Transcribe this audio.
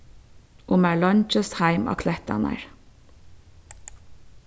og mær leingist heim á klettarnar